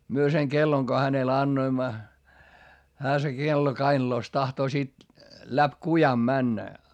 me sen kellon kun hänelle annoimme hän se kello kainalossa tahtoo sitten läpi kujan mennä